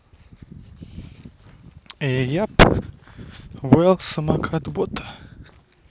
yeah well самокат бота